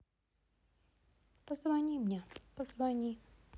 позвони мне позвони